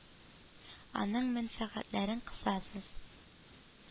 Аның мәнфәгатьләрен кысасыз»,